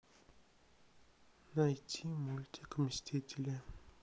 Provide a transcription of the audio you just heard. найти мультик мстители